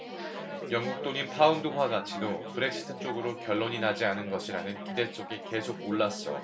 영국 돈인 파운드화 가치도 브렉시트 쪽으로 결론이 나지 않는 것이라는 기대 속에 계속 올랐어